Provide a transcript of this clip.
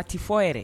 A tɛ fɔ yɛrɛ